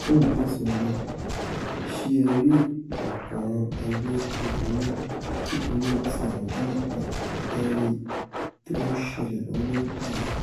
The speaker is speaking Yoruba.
Trump tẹ̀síwájú, ''Se ẹ̀ rí ọ̀kànràn ẹgbẹ́ búburú, búburú ti Àwọn Democrats, ẹ́ rí i tó ńṣẹlẹ̀ lọ́wọ́lọ́wọ́ báyìí.